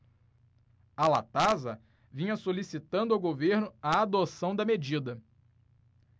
a latasa vinha solicitando ao governo a adoção da medida